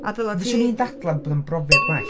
A doeddat ti... 'Swn i'n dadlau bod o'n brofiad gwell.